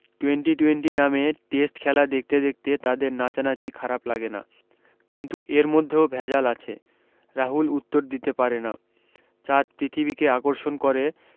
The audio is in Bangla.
টোয়েন্টি টোয়েন্টি নামে টেস্ট খেলা দেখতে দেখতে তাদের নাচানাচি খারাপ লাগে না কিন্তু এর মধ্যেও ভেজাল আছে রাহুল উত্তর দিতে পারে না চাঁদ পৃথিবীকে আকর্ষণ করে